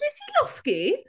Wnest ti losgi?